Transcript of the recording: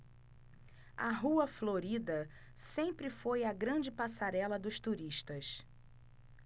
a rua florida sempre foi a grande passarela dos turistas